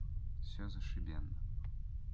все зашибенно